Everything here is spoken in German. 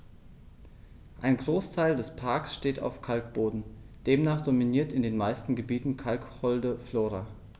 Ein Großteil des Parks steht auf Kalkboden, demnach dominiert in den meisten Gebieten kalkholde Flora.